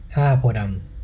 ห้าโพธิ์ดำ